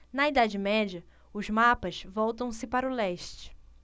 na idade média os mapas voltam-se para o leste